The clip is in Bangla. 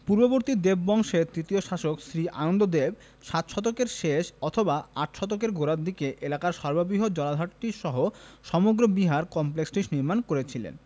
পূর্ববর্তী দেববংশের তৃতীয় শাসক শ্রী আনন্দদেব সাত শতকের শেষ অথবা আট শতকের গোড়ার দিকে এলাকার সর্ববৃহৎ জলাধারটিসহ সমগ্র বিহার কমপ্লেক্সটি নির্মাণ করেছিলেন